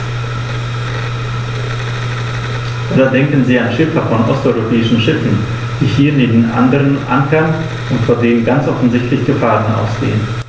Oder denken Sie an Schiffer von osteuropäischen Schiffen, die hier neben anderen ankern und von denen ganz offensichtlich Gefahren ausgehen.